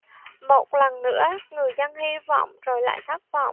một lần nữa người dân hi vọng rồi lại thất vọng